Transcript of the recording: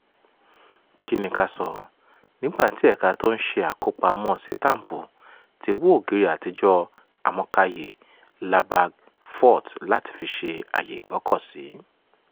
Kí ni ká sọ? Nígbà tí ẹ̀ka tí ó ń ṣe àkópamọ́ sítám̀pù ti wo ògiri àtijọ́ àmọ̀káyée Lalbagh Fort láti fi ṣe àyè ìgbọ́kọ̀sí.